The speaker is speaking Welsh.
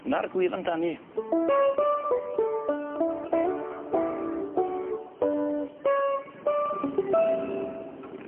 'Na'r gwir amdani.